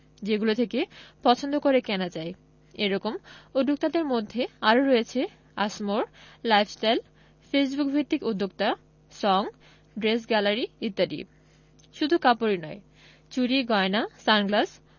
যেগুলো থেকে পছন্দ করে কেনা যায় এ রকম উদ্যোক্তাদের মধ্যে আরও রয়েছে আসমোর লাইফস্টাইল ফেসবুকভিত্তিক উদ্যোক্তা সঙ ড্রেস গ্যালারি ইত্যাদি শুধু কাপড়ই নয় চুড়ি গয়না সানগ্লাস